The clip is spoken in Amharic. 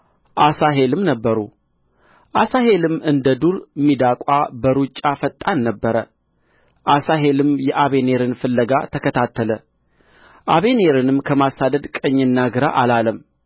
አሣሄልም እንደ ዱር ሚዳቋ በሩጫ ፈጣን ነበረ አሣሄልም የአበኔርን ፍለጋ ተከታተለ አበኔርንም ከማሳደድ ቀኝና ግራ አላለም